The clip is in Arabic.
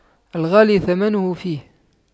الغالي ثمنه فيه